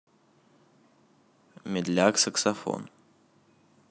медляк саксофон